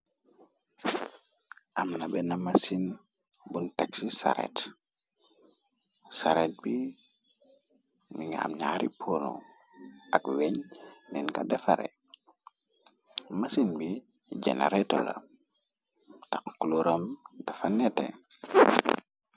amna bena masin bun taxsi saret saret bi mi nga am ñaari poro ak weeñ neen ka defare masin bi jene reto la tax kuluramb dafa neete